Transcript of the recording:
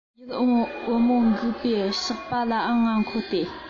ཡིད འོང བུ མོ འགུགས པའི ཞགས པ ལའང ང མཁོ སྟེ